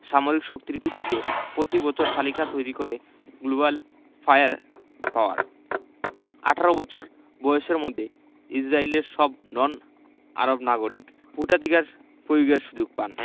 সামরিক শক্তির ভিত্তিতে প্রতিবছর তালিকা তৈরি করে গ্লোবাল ফায়ার পাওয়ার ১৮ বছর বয়সের মধ্যে ইসরায়েলের সব নন আরব নাগরিক ভোটাধিকার প্রয়োগের সুযোগ পান